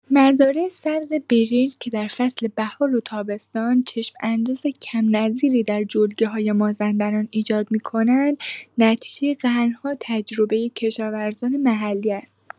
مزارع سبز برنج که در فصل بهار و تابستان چشم‌انداز کم‌نظیری در جلگه‌های مازندران ایجاد می‌کنند، نتیجه قرن‌ها تجربه کشاورزان محلی است.